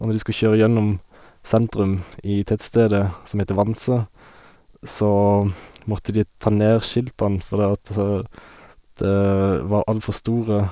Og når de skulle kjøre gjennom sentrum i tettstedet, som heter Vanse, så måtte de tar ned skiltene, fordi at t det var altfor store...